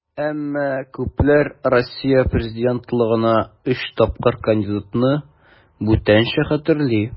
Әмма күпләр Россия президентлыгына өч тапкыр кандидатны бүтәнчә хәтерли.